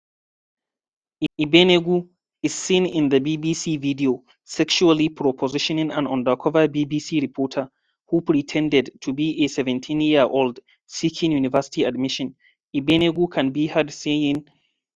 Igbenegbu is seen in the BBC video sexually propositioning an undercover BBC reporter who pretended to be a 17-year-old seeking university admission. Igbenegu can be heard saying: